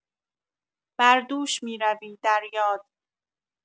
بر دوش می‌روی، در یاد